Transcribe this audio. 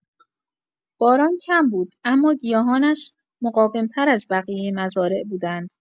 باران کم بود، اما گیاهانش مقاوم‌تر از بقیۀ مزارع بودند.